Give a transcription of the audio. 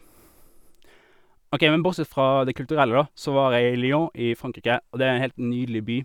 OK, men bortsett fra det kulturelle, da, så var jeg i Lyon i Frankrike, og det er en helt nydelig by.